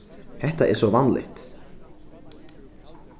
hetta er so vanligt